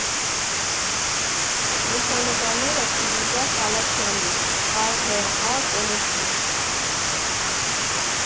Լուսանկարները՝ Փիրուզա Խալափյանի ԱՀԱ կոլեկտիվ։